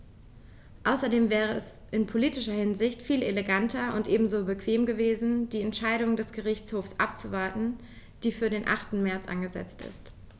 Außerdem wäre es in politischer Hinsicht viel eleganter und ebenso bequem gewesen, die Entscheidung des Gerichtshofs abzuwarten, die für den 8. März angesetzt ist.